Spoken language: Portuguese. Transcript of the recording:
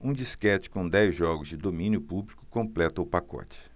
um disquete com dez jogos de domínio público completa o pacote